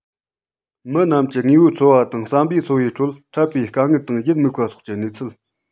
མི རྣམས ཀྱི དངོས པོའི འཚོ བ དང བསམ པའི འཚོ བའི ཁྲོད འཕྲད པའི དཀའ ངལ དང ཡིད མུག པ སོགས ཀྱི གནས ཚུལ